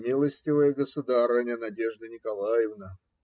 "Милостивая государыня, Надежда Николаевна!